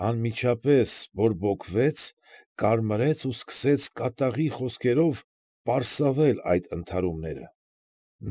Անմիջապես բորբոքվեց, կարմրեց, ու սկսեց կատաղի խսսքերով պարսավել այդ ընդհարումները։